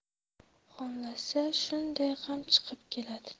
xohlasa shunday ham chiqib keladi